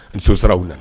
Muso siraw wili